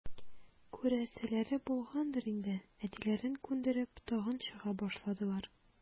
Күрәселәре булгандыр инде, әтиләрен күндереп, тагын чыга башладылар.